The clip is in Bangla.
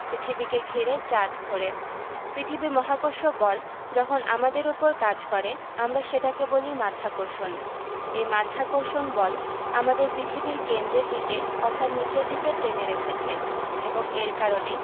পৃথিবীকে ঘিরে চাঁদ ঘোরে পৃথিবীর মহাকর্ষ বল যখন আমাদের ওপর কাজ করে আমরা সেটাকে বলি মাধ্যাকর্ষণ এই মাধ্যাকর্ষণ বল আমাদের পৃথিবীর কেন্দ্রের দিকে অর্থাৎ নিচের দিকে টেনে রেখেছে এবং এর কারণেই